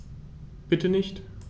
Bitte nicht.